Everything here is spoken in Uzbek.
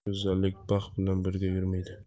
go'zallik baxt bilan birga yurmaydi